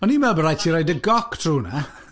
O'n i'n meddwl bod raid ti rhoi dy goc trwy hwnna .